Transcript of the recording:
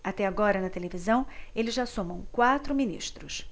até agora na televisão eles já somam quatro ministros